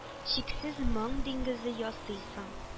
Чиксез моң диңгезе ясыйсың